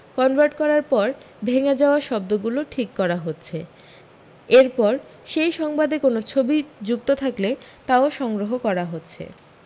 convert করার পর ভেঙ্গে যাওয়া শব্দগুলো ঠিক করা হচ্ছে এরপর সেই সংবাদে কোন ছবি যুক্ত থাকলে তাও সংগ্রহ করা হচ্ছে